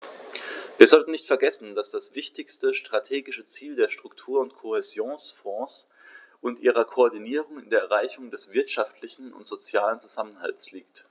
Wir sollten nicht vergessen, dass das wichtigste strategische Ziel der Struktur- und Kohäsionsfonds und ihrer Koordinierung in der Erreichung des wirtschaftlichen und sozialen Zusammenhalts liegt.